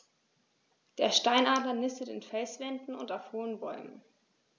Der Steinadler nistet in Felswänden und auf hohen Bäumen.